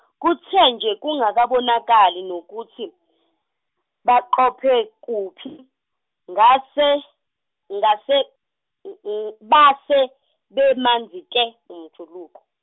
kuthe nje kungakabonakali nokuthi baqophe kuphi ngase ngase base bemanzi te umjuluko.